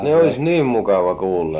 ne olisi niin mukava kuulla